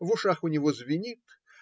в ушах у него звенит